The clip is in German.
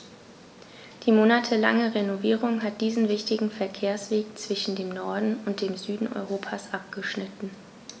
Die monatelange Renovierung hat diesen wichtigen Verkehrsweg zwischen dem Norden und dem Süden Europas abgeschnitten.